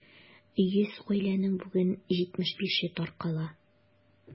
100 гаиләнең бүген 75-е таркала.